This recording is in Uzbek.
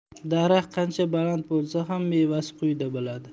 daraxt qancha baland bo'lsa ham mevasi quyida bo'ladi